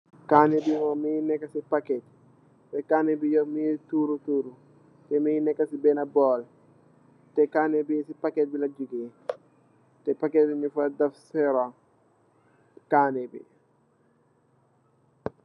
Kanneh bi mugii nekka ci paket , teh kanneh bi yep pa ngi tuuru. Mugii nekka ci benna bóól . Teh kanneh bi ci paket bi la joyeh, teh paket bi ñing fa def sera kanneh bi.